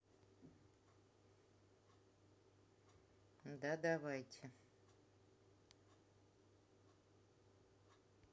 да давайте